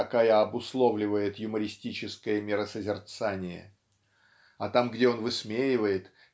какая обусловливает юмористическое миросозерцание. А там где он высмеивает